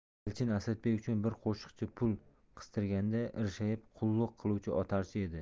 elchin asadbek uchun bir qo'shiqchi pul qistirganda irshayib qulluq qiluvchi otarchi edi